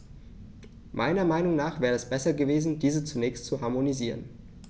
Meiner Meinung nach wäre es besser gewesen, diese zunächst zu harmonisieren.